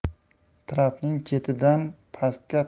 trapning chetidan pastga